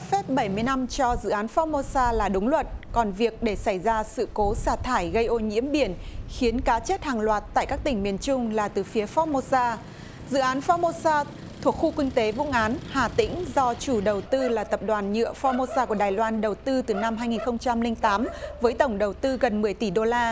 bảy mươi năm cho dự án phoóc mô xa là đúng luật còn việc để xảy ra sự cố xả thải gây ô nhiễm biển khiến cá chết hàng loạt tại các tỉnh miền trung là từ phía phoóc mô xa dự án phoóc mô xa thuộc khu kinh tế vũng áng hà tĩnh do chủ đầu tư là tập đoàn nhựa phoóc mô xa của đài loan đầu tư từ năm hai nghìn không trăm linh tám với tổng đầu tư gần mười tỷ đô la